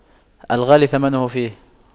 الغالي ثمنه فيه